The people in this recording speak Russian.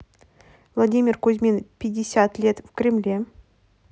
владимир кузьмин пятьдесят лет в кремле